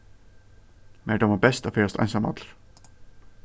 mær dámar best at ferðast einsamallur